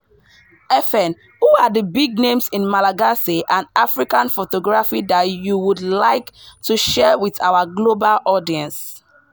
FN: Who are the big names in Malagasy and African photography that you would like to share with our global audience?